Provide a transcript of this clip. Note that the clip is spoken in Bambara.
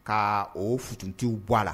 Kaa o futuntiw bɔ a la